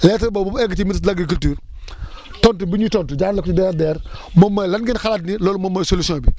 lettre boobu mu egg ci minstre de l' agriculture tontu bi mu ñu tontu jaarale ko ci DRDR moom mooy lan ngeen xalaat ni loolu moom mooy solution bi